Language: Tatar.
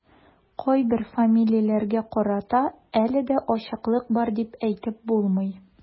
Кайбер фамилияләргә карата әле дә ачыклык бар дип әйтеп булмый.